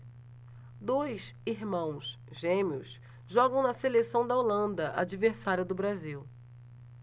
dois irmãos gêmeos jogam na seleção da holanda adversária do brasil